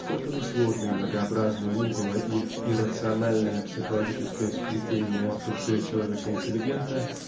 сколь бы сложно и многообразно ни было их иррациональное психологическое сплетение в душе человека-интеллигента